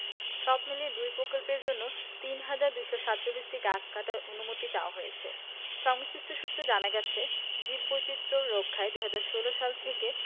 সবমিলিয়ে দুই প্রকল্পের জন্য ৩হাজার ২৪৭টি গাছ কাটার অনুমতি চাওয়া হয়েছে সংশ্লিষ্ট সূত্রে জানা গেছে জীববৈচিত্র্য রক্ষায় ২০১৬ সাল থেকে